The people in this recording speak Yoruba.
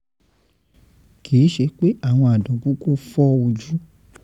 Kìíṣe pé àwọn àdán kúkú fọ́ ojú